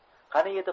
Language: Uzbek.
qani edi